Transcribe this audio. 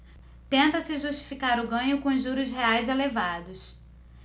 tenta-se justificar o ganho com os juros reais elevados